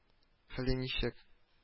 Хәле ничек